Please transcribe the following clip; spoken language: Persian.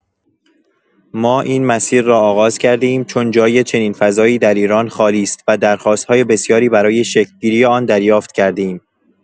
ما این مسیر را آغاز کرده‌ایم چون جای چنین فضایی در ایران خالی است و درخواست‌های بسیاری برای شکل‌گیری آن دریافت کرده‌ایم.